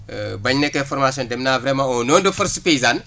bañ nekkee formation dem naa vraiment au nom de force paysane